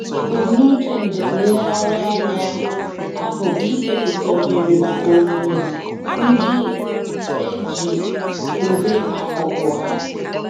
Ebumnuche njem nlegharị anya ahụ bụ ikepụta ohere maka onyinyo ndị a iji kpughee akụkọ ha.